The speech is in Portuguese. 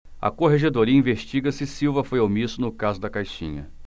a corregedoria investiga se silva foi omisso no caso da caixinha